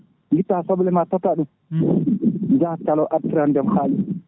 guitta soblema totta ɗum jaaha caalo artirandema kalis ma